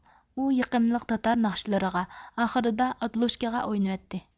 ئۇ يېقىملىق تاتار ناخشىلىرىغا ئاخىرىدا ئادىلوچكىغا ئوينىتىۋەتتى